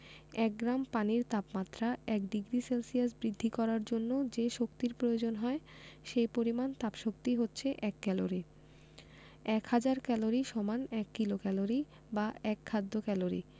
এক গ্রাম পানির তাপমাত্রা ১ ডিগ্রি সেলসিয়াস বৃদ্ধি করার জন্য যে শক্তির প্রয়োজন হয় সে পরিমাণ তাপশক্তি হচ্ছে এক ক্যালরি এক হাজার ক্যালরি সমান এক কিলোক্যালরি বা এক খাদ্য ক্যালরি